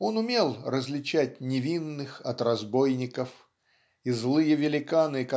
он умел различать невинных от разбойников и злые великаны